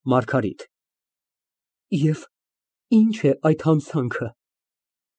ՄԱՐԳԱՐԻՏ ֊ Եվ ի՞նչ է այդ հանցանքը։